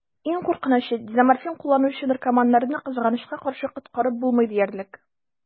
Иң куркынычы: дезоморфин кулланучы наркоманнарны, кызганычка каршы, коткарып булмый диярлек.